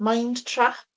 Mind Trap?